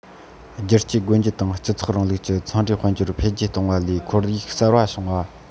བསྒྱུར བཅོས སྒོ འབྱེད དང སྤྱི ཚོགས རིང ལུགས ཀྱི ཚོང རའི དཔལ འབྱོར འཕེལ རྒྱས བཏང བ ལས ཁོར ཡུག གསར པ བྱུང བ